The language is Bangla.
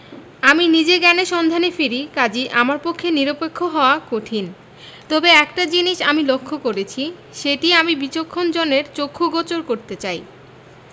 আমি নিজে জ্ঞানের সন্ধানে ফিরি কাজেই আমার পক্ষে নিরপেক্ষ হওয়া কঠিন তবে একটা জিনিস আমি লক্ষ করেছি সেটি আমি বিচক্ষণ জনের চক্ষু গোচর করতে চাই